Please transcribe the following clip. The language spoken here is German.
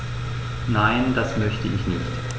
Nein, das möchte ich nicht.